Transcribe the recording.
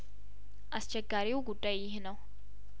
አስቸጋሪው ጉዳይይህ ነው